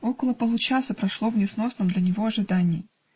Около получаса прошло в несносном для него ожидании